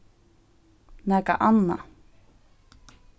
nakað annað